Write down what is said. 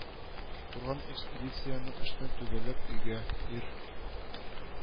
Торган экспедициянең эшне төгәлләп өйгә, ир